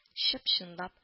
Чып-чынлап